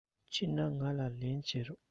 ཕྱིན ན ང ལ ལན བྱིན རོགས